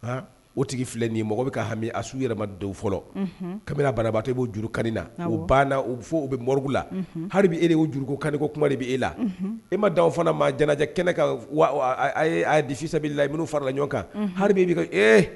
Aa o tigi filɛ ni mɔgɔ bɛ ka hami a su yɛrɛ denw fɔlɔ kabini banabatɔ e b'o juru kan na o banna u fɔ u bɛ moribugu la hali bɛ ee de' juruugukanko kuma de bɛ e la e ma dan fana maa jjɛ kɛnɛ kan a ye disa la a i n'o farala ɲɔgɔn kan bɛ ee